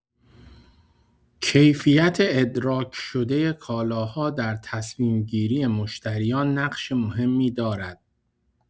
کیفیت ادراک‌شده کالاها در تصمیم‌گیری مشتریان نقش مهمی دارد.